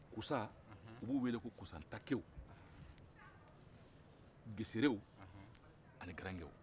kusa u b'u wele ko kusantakɛw geserew ani garankɛw